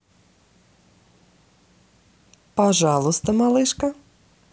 пожалуйста малышка